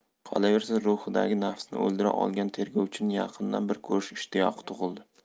qolaversa ruhidagi nafsni o'ldira olgan tergovchini yaqindan bir ko'rish ishtiyoqi tug'ildi